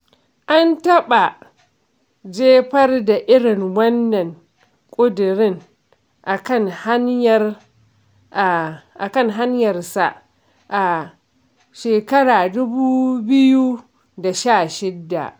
An taɓa jefar da irin wannan ƙudirin a kan hanyarsa a 2016.